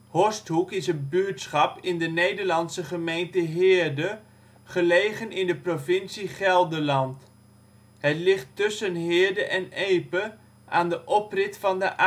Horsthoek is een buurtschap in de Nederlandse gemeente Heerde, gelegen in de provincie Gelderland. Het ligt tussen Heerde en Epe aan de oprit van de